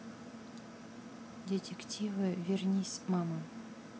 детективы вернись мама